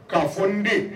K'a fɔ n den